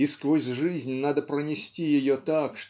И сквозь жизнь надо пронести ее так